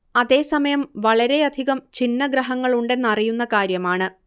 അതേ സമയം വളരെയധികം ഛിന്നഗ്രഹങ്ങളുണ്ടെന്നറിയുന്ന കാര്യമാണ്